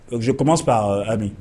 Que kumamans bi